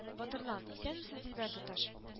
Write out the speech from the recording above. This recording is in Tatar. Батырлан- Исәнмесез, Дилбәр туташ